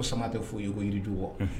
Ko sama tɛ foyi ye ko jirijugu wa